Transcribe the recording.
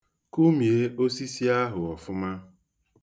Kụmie osisi ahụ ọfụma.